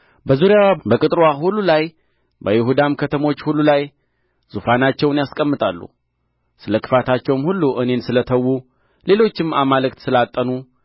በዙሪያዋ በቅጥርዋ ሁሉ ላይ በይሁዳም ከተሞች ሁሉ ላይ ዙፋናቸውን ያስቀምጣሉ ስለ ክፋታቸውም ሁሉ እኔን ስለ ተው ለሌሎችም አማልክት ስላጠኑ